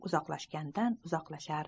ufq uzoqlashgandan uzoqlashar